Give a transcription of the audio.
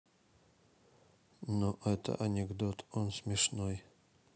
но это анекдот он смешной